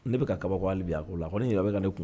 Ne bɛka ka kaba ale a ko la ko ne nin yɛrɛ bɛ ka ne kun